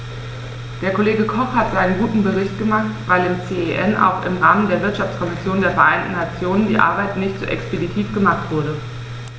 Der Kollege Koch hat seinen guten Bericht gemacht, weil im CEN und auch im Rahmen der Wirtschaftskommission der Vereinten Nationen die Arbeit nicht so expeditiv gemacht wurde.